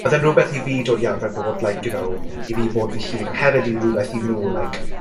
odd e'n rwbeth i fi dod i arfer bod like you know i fi bod fy hun a hefyd i rwbeth i nw like